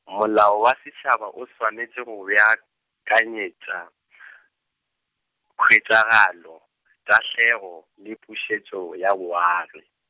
molao wa setšhaba o swanetše go beakanyetša , khwetšagalo, tahlego, le pušetšo ya boagi.